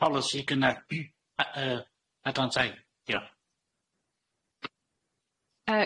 polisi gynna'r yy y adran tai diolch.